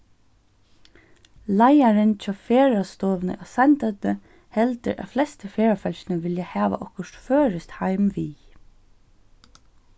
leiðarin hjá ferðastovuni á sandoynni heldur at flestu ferðafólkini vilja hava okkurt føroyskt heim við